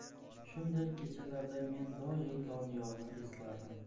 shunday kechalarda men doim doniyorni eslardim